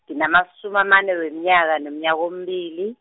nginamasumi amane weminyaka neminyaka mbili.